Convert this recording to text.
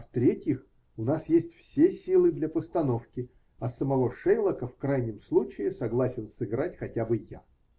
в-третьих, у нас есть все силы для постановки, а самого Шейлока, в крайнем случае, согласен сыграть хоть бы я.